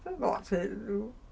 O't ti ryw...